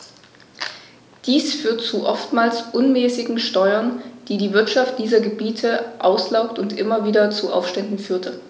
Dies führte zu oftmals unmäßigen Steuern, die die Wirtschaft dieser Gebiete auslaugte und immer wieder zu Aufständen führte.